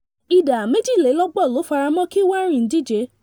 Ìdá méjìlélọ́gbọ̀n ló faramọ́ kí Warren díje.